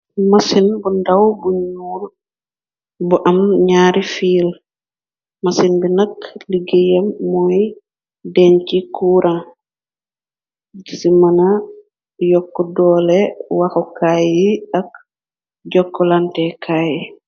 Masin bu ndaw bu ñuul bu am ñaari fiil masin bi nakk liggéeyam mooy deñche kuran deci mëna yokk doole waxukaay yi ak jokkolante kaaye.